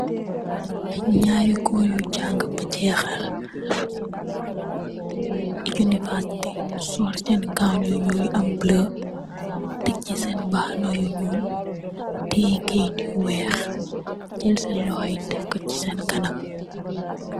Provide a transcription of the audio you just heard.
Aiiy njaari gorre yu jangah beh jehal, university sol sehn gown yu njull yu am bleu, tek cii sehn mbahanah yu njull, tiyeh keit yu wekh, jeul sehn lokhor yii defkor cii sehn kanam.